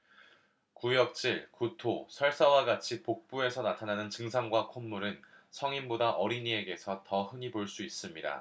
구역질 구토 설사와 같이 복부에서 나타나는 증상과 콧물은 성인보다 어린이에게서 더 흔히 볼 수 있습니다